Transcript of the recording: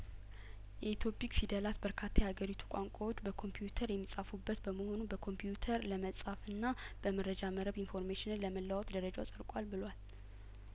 የኢትዮ ፒክ ፊደላት በርካታ ያገሪቱ ቋንቋዎች በኮምፒውተር የሚጻፉበት በመሆኑ በኮምፒውተር ለመጻፍና በመረጃ መረብ ኢንፎርሜሽንን ለመለዋወጥ ደረጃው ጸድቋል ብሏል